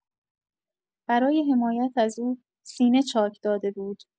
برای حمایت از او، سینه‌چاک داده بود.